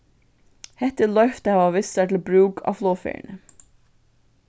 hetta er loyvt at hava við sær til brúk á flogferðini